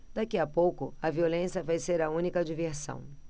daqui a pouco a violência vai ser a única diversão